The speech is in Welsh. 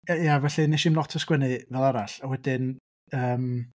Yy ia felly wnes i'm lot o sgwennu fel arall a wedyn yym...